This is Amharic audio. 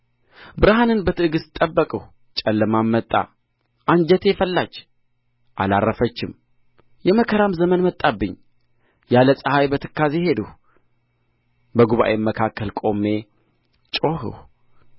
ብርሃንን በትዕግሥት ጠበቅሁ ጨለማም መጣ አንጀቴ ፈላች አላረፈችም የመከራም ዘመን መጣችብኝ ያለ ፀሐይ በትካዜ ሄድሁ በጉባኤም መካከል ቆሜ ጮኽሁ